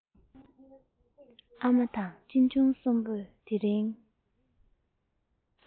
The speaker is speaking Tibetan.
ཨ མ དང གཅེན གཅུང གསུམ པོས དེ རིང